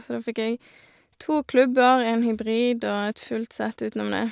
Så da fikk jeg to klubber, én hybrid og et fullt sett utenom det.